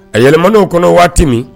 A yɛlɛmanaw kɔnɔ waati min